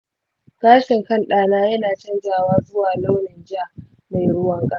gashin kan ɗana yana canzawa zuwa launin ja mai ruwan kasa.